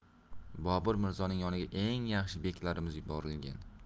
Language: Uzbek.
bobur mirzoning yoniga eng yaxshi beklarimiz yuborilgan